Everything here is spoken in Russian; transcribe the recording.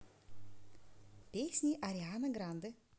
песни ariana grande